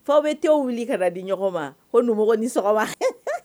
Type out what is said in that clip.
F'aw bɛ thé wili ka na di ɲɔgɔn ma, ko nimɔgɔw ni sɔgɔma,